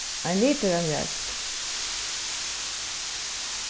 ein litur av mjólk